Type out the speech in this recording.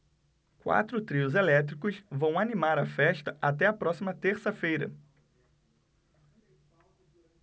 quatro trios elétricos vão animar a festa até a próxima terça-feira